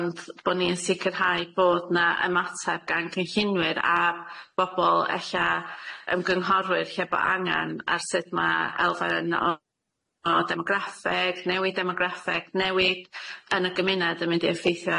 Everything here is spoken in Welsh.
ond bo' ni yn sicirhau bod na ymateb gan cynllunwyr a bobol ella ymgynghorwyr lle bo' angan ar sut ma' elfen o- o demograffeg newid demograffeg newid yn y gymuned yn mynd i effeithio